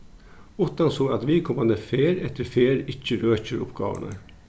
uttan so at viðkomandi ferð eftir ferð ikki røkir uppgávurnar